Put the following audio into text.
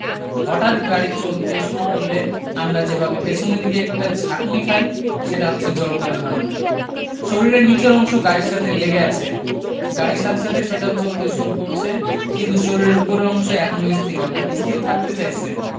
হঠাৎ গাড়ি চলতে শুরু করলে আমরা যেভাবে পেছনের দিকে একটা ঝাঁকুনি খাই সেটা হচ্ছে জড়তার উদাহরণ শরীরের নিচের অংশ গাড়ির সাথে লেগে আছে গাড়ির সাথে সাথে সেটা চলতে শুরু করছে কিন্তু শরীরের ওপরের অংশ এখনো স্থির এবং স্থির থাকতে চাইছে